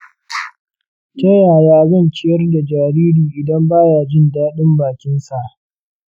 ta yaya zan ciyar da jariri idan baya jin dadin bakinsa?